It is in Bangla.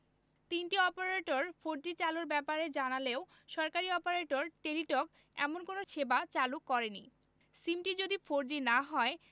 তিনটি অপারেটর ফোরজি চালুর ব্যাপারে জানালেও সরকারি অপারেটর টেলিটক এমন কোনো সেবা চালু করেনি সিমটি যদি ফোরজি না হয়